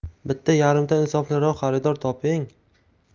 bitta yarimta insofliroq xaridor toping